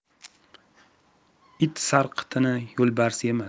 it sarqitini yo'lbars yemas